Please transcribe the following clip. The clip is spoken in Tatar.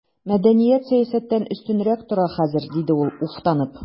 Мәдәният сәясәттән өстенрәк тора хәзер, диде ул уфтанып.